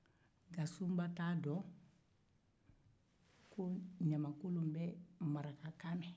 nka sunba t'a dɔn ko ɲamankolon bɛ marakakan mɛn